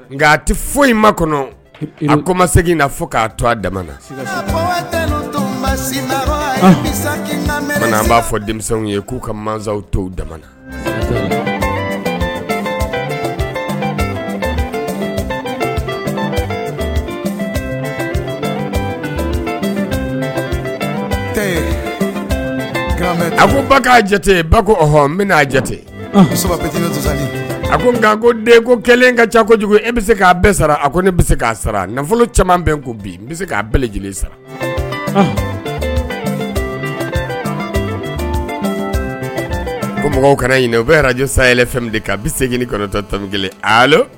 Nka a tɛ foyi in ma kɔnɔ ko ma segingin fɔ k'a to a da b'a fɔ ye k'u ka masaw to daɔn na nka ko den ko ka kojugu bɛ se k'a sara a ne bɛ se'a sara nafolo caman bɛ ko n bɛ se k'a bɛɛ lajɛlen sara ko mɔgɔw kana o araj sa yɛlɛ fɛn bɛ segin kɔnɔtɔ tan kelen